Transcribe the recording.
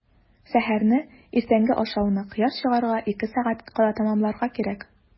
Сәхәрне – иртәнге ашауны кояш чыгарга ике сәгать кала тәмамларга кирәк.